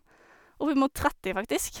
Oppimot tretti, faktisk.